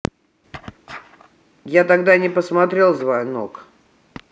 я тогда не посмотрел звонок